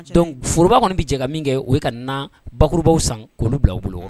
Donc foroba kɔni bɛ jɛ ka min kɛ o ye ka na bakurubaww san k bila bolo